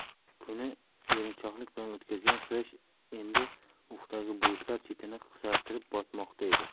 kunni erinchoqlik bilan o'tkazgan quyosh endi ufqdagi bulutlar chetini qizartirib botmoqda edi